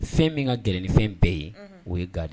Fɛn min ka gɛrɛ ni fɛn bɛɛ ye o ye ga de ye